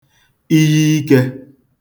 iyiikē